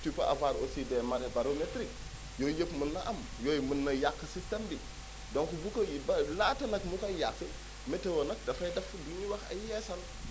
tu peux avoir aussi des marées baromètriques yooyu yëpp mën na am yooyu mën na yàq système bi donc bu ko i ba laata nag mu koy yàq météo nag dafay def lu énuy wax ay yeesal